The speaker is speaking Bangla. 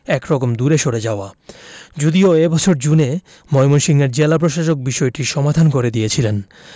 একরকম দূরে সরে যাওয়া যদিও এ বছরের জুনে ময়মনসিংহের জেলা প্রশাসক বিষয়টির সমাধান করে দিয়েছিলেন